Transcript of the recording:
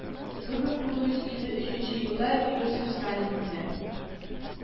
Бер мең тугыз йөз илле өченче елда иосиф сталин үлә